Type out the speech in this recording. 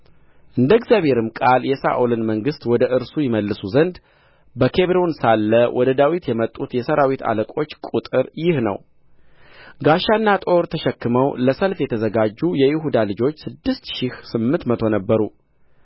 እንደ እግዚአብሔርም ቃል የሳኦልን መንግሥት ወደ እርሱ ይመልሱ ዘንድ በኬብሮን ሳለ ወደ ዳዊት የመጡት የሠራዊቱ አለቆች ቍጥር ይህ ነው ጋሻና ጦር ተሸክመው ለሰልፍ የተዘጋጁ የይሁዳ ልጆች ስድስት ሺህ ስምንት መቶ ነበሩ